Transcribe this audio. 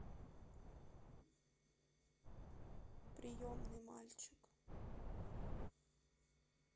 приемный мальчик